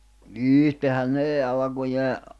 itsehän ne alkujaan